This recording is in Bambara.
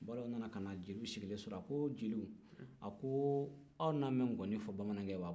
balɔbɔ nana jeliw sigilen sɔrɔ a ko jeliw aw nanen bɛ nkɔni fɔ bamanankɛ ye wa